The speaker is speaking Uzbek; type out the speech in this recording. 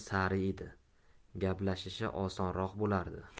sari edi gaplashishi osonroq bo'lardi